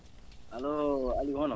allo Aliou hono